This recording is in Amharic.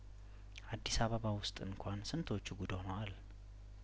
አዲስ አበባ ውስጥ እንኳን ስንቶቹ ጉድ ሆነዋል